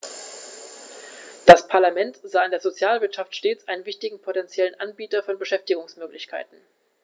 Das Parlament sah in der Sozialwirtschaft stets einen wichtigen potentiellen Anbieter von Beschäftigungsmöglichkeiten.